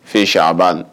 Fii saabane